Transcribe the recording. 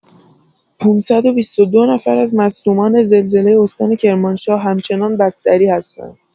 ۵۲۹ نفر از مصدومان زلزله استان کرمانشاه همچنان بستری هستند.